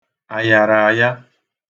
àyàràaya